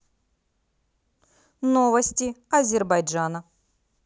новости азербайджана